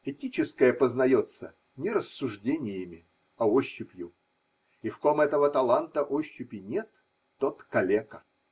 Этическое познается не рассуждениями, а ощупью, и в ком этого таланта ощупи нет – тот калека.